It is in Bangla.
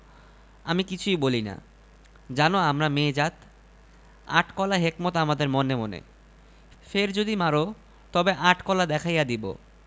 রহিম ঘুম হইতে উঠিয়া বলিল আমার হুঁকায় পানি ভরিয়াছ বউ বলিল তুমি তো ঘুমাইতেছিলে তাই হুঁকায় পানি ভরি নাই এই এখনই ভরিয়া দিতেছি রহিম চোখ গরম করিয়া বলিল